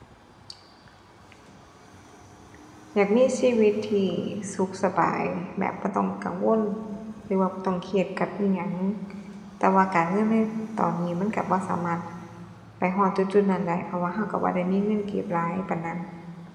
อยากมีชีวิตที่สุขสบายแบบบ่ต้องกังวล หรือว่าบ่ต้องเครียดกับอิหยัง แต่ว่าการเงินในตอนนี้มันก็บ่สามารถไปฮอดจุดจุดนั้นได้เพราะว่าก็ก็บ่ได้มีเงินเก็บหลายปานนั้น